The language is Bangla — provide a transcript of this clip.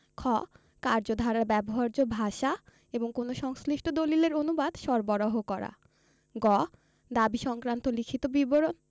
খ কার্যধারার ব্যবহার্য ভাষা এবং কোন সংশ্লিষ্ট দলিলের অনুবাদ সরবরাহ করা গ দাবী সংক্রান্ত লিখিত বিবরণ